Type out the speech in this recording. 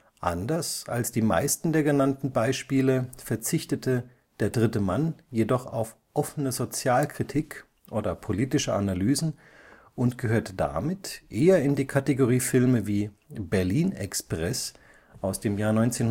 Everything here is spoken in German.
Anders als die meisten der genannten Beispiele verzichtete Der dritte Mann jedoch auf offene Sozialkritik oder politische Analysen und gehört damit eher in die Kategorie Filme wie Berlin-Express (1948